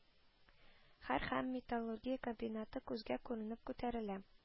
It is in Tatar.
Һәр һәм металлургия комбинаты күзгә күренеп күтәрелә